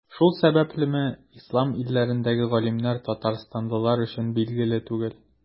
Шул сәбәплеме, Ислам илләрендәге галимнәр Татарстанлылар өчен билгеле түгел.